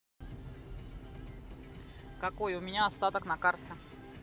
какой у меня остаток на карте